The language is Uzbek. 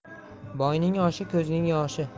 boyning oshi ko'zning yoshi